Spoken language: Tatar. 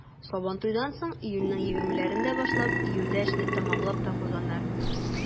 Сабантуйдан соң, июньнең егермеләрендә башлап, июльдә эшне тәмамлап та куйганнар.